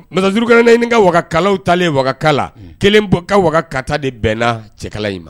Masa zulkarnaani waga kalaw talen waga ka, kelen bɔ ka waga ka ta de bɛnna cɛkala in ma.